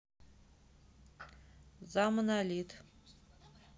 за монолит